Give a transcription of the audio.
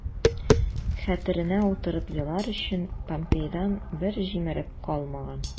Хәтеренә утырып елар өчен помпейдан бер җимерек калмаган...